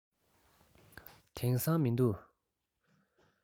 དེང སང མི འདུག